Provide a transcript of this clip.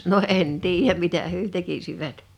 no en tiedä mitä he tekisivät